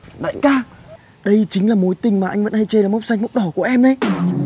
đại ca đây chính là mối tình mà anh vẫn hay là chê mốc xanh mốc đỏ của em đấy